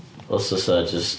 Os fysa jyst...